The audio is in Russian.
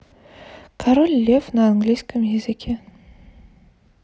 король лев на английском языке